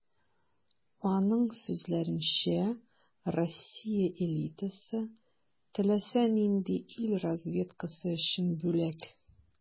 Аның сүзләренчә, Россия элитасы - теләсә нинди ил разведкасы өчен бүләк.